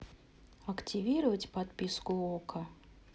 активировать подписку окко